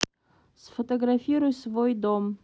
сфотографируй свой дом